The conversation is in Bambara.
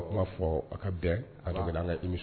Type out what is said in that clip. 'a fɔ a ka bɛn a an ka imi